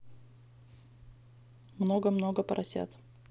много много поросят